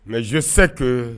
Mais je sais que